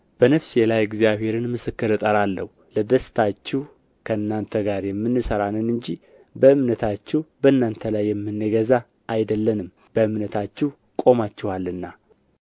በነፍሴ ላይ እግዚአብሔርን ምስክር እጠራለሁ ለደስታችሁ ከእናንተ ጋር የምንሠራ ነን እንጂ በእምነታችሁ በእናንተ ላይ የምንገዛ አይደለንም በእምነታችሁ ቆማችኋልና